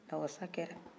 aa wasa kɛra